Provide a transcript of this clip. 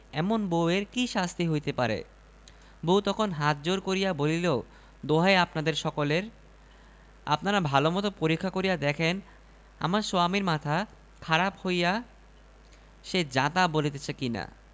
এমন বউ এর কি শাস্তি হইতে পারে বউ তখন হাত জোড় করিয়া বলিল দোহাই আপনাদের সকলের আপনারা ভালোমতো পরীক্ষা করিয়া দেখেন আমার সোয়ামীর মাথা খারাপ হইয়া সে যাতা বলিতেছে কিনা